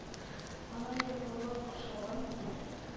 Аның йотлыгып ашавын,